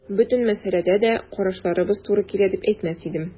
Бөтен мәсьәләдә дә карашларыбыз туры килә дип әйтмәс идем.